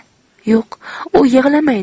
yo'q u yig'lamaydi